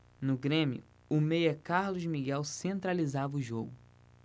no grêmio o meia carlos miguel centralizava o jogo